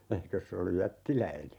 eikös se ollut jättiläinen